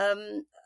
yym